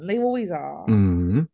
They always are....mhm